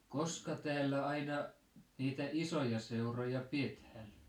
koska täällä aina niitä isoja seuroja pidetään